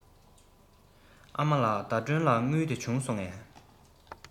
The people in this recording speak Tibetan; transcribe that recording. ཨ མ ལགས ཟླ སྒྲོན ལ དངུལ དེ བྱུང སོང ངས